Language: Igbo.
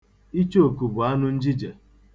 Ichooku bụ anụ njije.